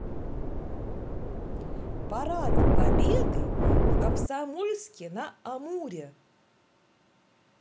парад победы в комсомольске на амуре